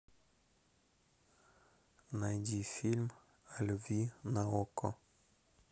найди фильм о любви на окко